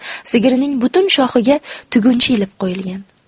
sigirining butun shoxiga tuguncha ilib qo'yilgan